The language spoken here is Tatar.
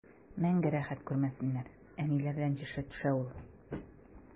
Мәңге рәхәт күрмәсеннәр, әниләр рәнҗеше төшә ул.